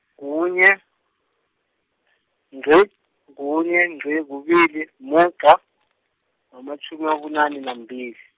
kunye, ngqi, kunye ngqi kubili umuda, amatjhumi abunane nambili.